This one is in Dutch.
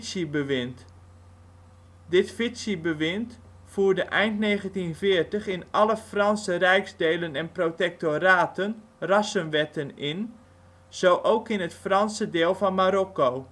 Vichy-bewind. Dit Vichy-bewind voerde eind 1940 in alle Franse rijksdelen en protectoraten rassenwetten in, zo ook in het Franse deel van Marokko